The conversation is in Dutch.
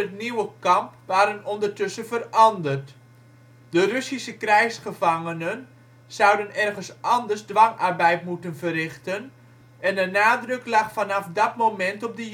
nieuwe kamp waren ondertussen veranderd. De Russische krijgsgevangenen zouden ergens anders dwangarbeid moeten verrichten, en de nadruk lag vanaf dat moment op de Joden